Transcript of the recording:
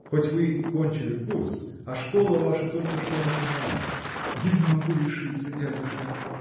хоть вы кончили курс, а школа ваша только что начинается. – Я не могу решиться, дядюшка.